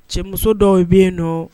Cɛmuso dɔ i bɛ yen dɔn